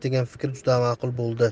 degan fikr juda ma'qul bo'ldi